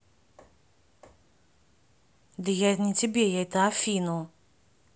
да я это не тебе это афину